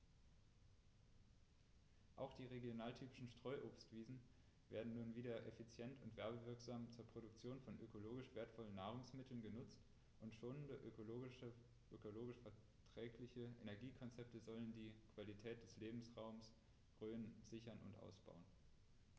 Auch die regionaltypischen Streuobstwiesen werden nun wieder effizient und werbewirksam zur Produktion von ökologisch wertvollen Nahrungsmitteln genutzt, und schonende, ökologisch verträgliche Energiekonzepte sollen die Qualität des Lebensraumes Rhön sichern und ausbauen.